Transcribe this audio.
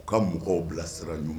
U ka mɔgɔw bilasira ɲuman